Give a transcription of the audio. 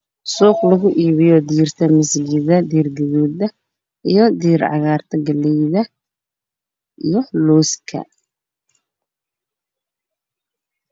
Waa meel lagu iibiyo masagada digirta